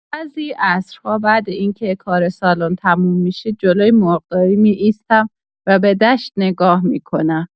بعضی عصرها بعد از اینکه کار سالن تموم می‌شه، جلوی مرغداری می‌ایستم و به دشت نگاه می‌کنم.